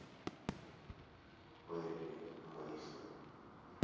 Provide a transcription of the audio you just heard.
перри мейсон